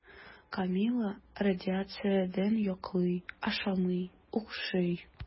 Камилла радиациядән йоклый, ашамый, укшый.